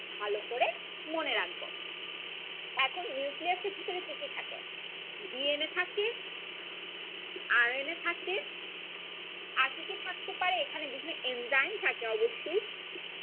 ভালো করে মনে রাখবো এখন নিউক্লিয়াস এর ভিতরে কি কি থাকে ডিএনএ থাকে আরএনএ থাকে আর টিকে থাকতে পারে এখানে বিভিন্ন এনজাইম থাকে অবশ্যই